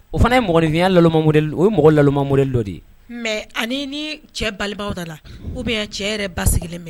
O fana ye mɔgɔninya llama o ye mɔgɔ llamamule dɔ de ye mɛ ani ni cɛ balida la ko bɛ cɛ yɛrɛ ba sigilen minɛ